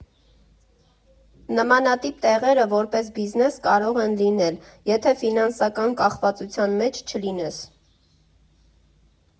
Նմանատիպ տեղերը որպես բիզնես կարող են լինել, եթե ֆինանսական կախվածության մեջ չլինես։